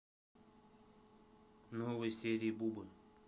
новые серии бубы